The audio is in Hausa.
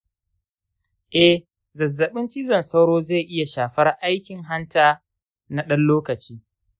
eh, zazzaɓin cizon sauro zai iya shafar aikin hanta na ɗan lokaci.